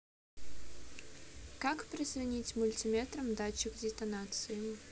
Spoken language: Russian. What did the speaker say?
как прозвонить мультиметром датчик дитанации